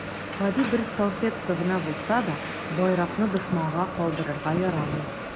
Гади бер салфетка гына булса да, байракны дошманга калдырырга ярамый.